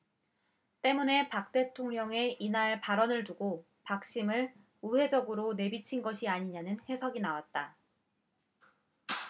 때문에 박 대통령의 이날 발언을 두고 박심 을 우회적으로 내비친 것 아니냐는 해석이 나왔다